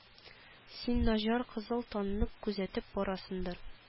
Син наҗар кызыл таңны күзәтеп барасыңдыр